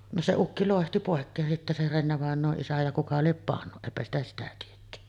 no se ukki loihti pois sitten se Renne-vainajan isä ja kuka lie pannut eipä sitä sitä tietty